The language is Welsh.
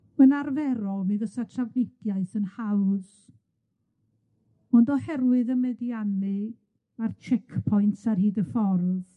Yn arferol, mi fysa trafnidiaeth yn hawdd, ond oherwydd y meddiannu a'r checkpoints ar hyd y ffordd,